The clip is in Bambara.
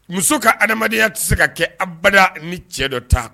Muso ka adamadenya tise ka kɛ abada ni cɛ dɔ t'a